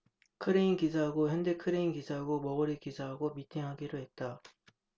크레인 기사하고 현대 크레인 기사하고 머구리 기사하고 미팅하기로 했다